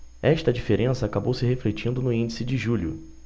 esta diferença acabou se refletindo no índice de julho